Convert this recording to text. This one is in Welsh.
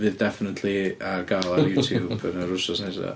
Fydd definitely ar gael ar Youtube, yn yr wythnos nesaf.